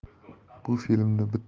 bu filmda bitta